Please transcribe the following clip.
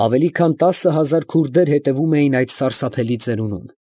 Ավելի քան տասն հազար քուրդեր հետևում էին այդ սարսափելի ծերունուն։